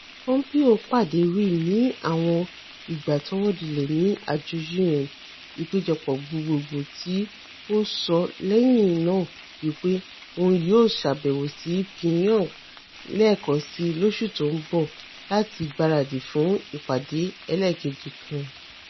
Pompeo pàdé Ri ní àwọn ìgbá tọ́wọ́dilẹ̀ ni àjọ U.N. Ìpéjọpọ̀ Gbogbogbò tí ó sọ lẹ́yìn náà wí pé òun yóò ṣàbẹ̀wò sí Pyongyang lẹ́ẹ̀kan sii lóṣù tó ńbọ láti gbaradì fún ìpàdé ẹlẹ́ẹ̀kejì kan.